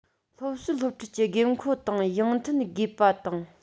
སློབ གསོའི སློབ ཁྲིད ཀྱི དགོས མཁོ དང ཡང མཐུན དགོས པ དང